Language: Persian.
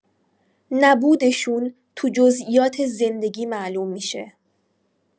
نبودنشون تو جزئیات زندگی معلوم می‌شه.